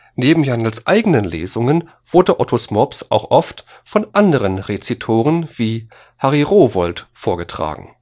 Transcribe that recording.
Neben Jandls eigenen Lesungen wurde ottos mops auch oft von anderen Rezitatoren wie Harry Rowohlt vorgetragen